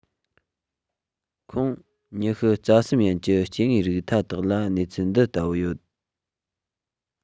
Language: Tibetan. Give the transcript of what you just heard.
ཁོངས ཉི ཤུ རྩ གསུམ ཡན གྱི སྐྱེ དངོས རིགས མཐའ དག ལ གནས ཚུལ འདི ལྟ བུ ཡོད